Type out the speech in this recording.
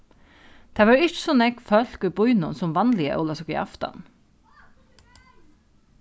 tað vóru ikki so nógv fólk í býnum sum vanliga ólavsøkuaftan